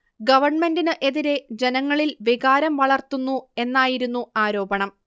ഗവണ്മെന്റിനു എതിരെ ജനങ്ങളിൽ വികാരം വളർത്തുന്നു എന്നായിരുന്നു ആരോപണം